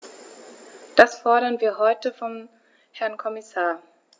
Das fordern wir heute vom Herrn Kommissar.